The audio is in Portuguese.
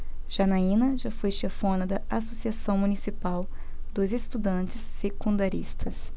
janaina foi chefona da ames associação municipal dos estudantes secundaristas